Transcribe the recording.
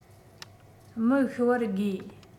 མི ཤི བར དགོས